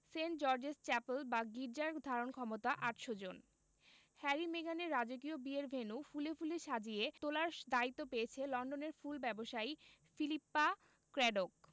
Saint George's chapel বা গির্জার ধারণক্ষমতা ৮০০ জন হ্যারি মেগানের রাজকীয় বিয়ের ভেন্যু ফুলে ফুলে সাজিয়ে তোলার দায়িত্ব পেয়েছেন লন্ডনের ফুল ব্যবসায়ী ফিলিপ্পা ক্র্যাডোক